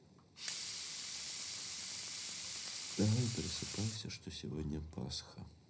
давай просыпайся что сегодня пасха